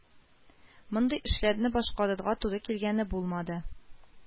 Мондый эшләрне башкарырга туры килгәне булмады